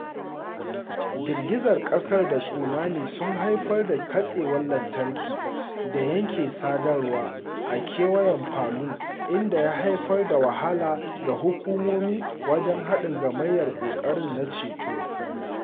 Girgizar ƙasar da tsunamin sun haifar da katsewar lantarki da yanke sadarwa a kewayen Palu inda ya haifar da wahala ga hukumomi wajen haɗin gamayyar ƙoƙarin na ceto.